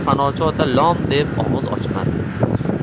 fanorchi ota lom deb og'iz ochmasdi